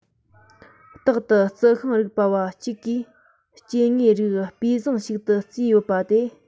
རྟག ཏུ རྩི ཤིང རིག པ བ གཅིག གིས སྐྱེ དངོས རིགས སྤུས བཟང ཞིག ཏུ བརྩིས ཡོད པ དེ